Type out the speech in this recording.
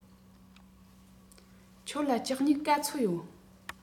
ཁྱོད ལ ལྕགས སྨྱུག ག ཚོད ཡོད